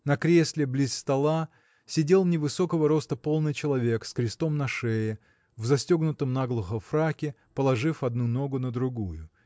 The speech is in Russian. На кресле близ стола сидел невысокого роста полный человек с крестом на шее в застегнутом наглухо фраке положив одну ногу на другую.